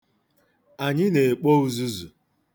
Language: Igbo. Anyị ga-ekpo uzuzu.